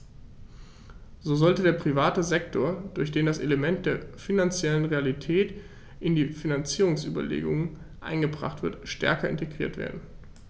So sollte der private Sektor, durch den das Element der finanziellen Realität in die Finanzierungsüberlegungen eingebracht wird, stärker integriert werden.